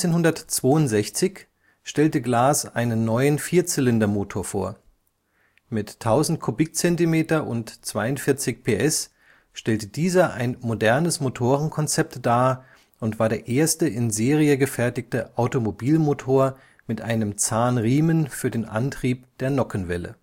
1962 stellte Glas einen neuen Vierzylindermotor vor. Mit 1000 Kubikzentimeter und 42 PS stellte dieser ein modernes Motorenkonzept dar und war der erste in Serie gefertigte Automobilmotor mit einem Zahnriemen für den Antrieb der Nockenwelle